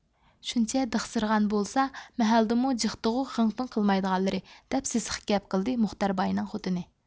شۇنچە دىخسىرىغان بولسا مەھەللىدىمۇ جىقتىغۇ غىڭ پىڭ قىلمايدىغانلىرى دەپ سېسىق گەپ قىلدى مۇختەر باينىڭ خوتۇنى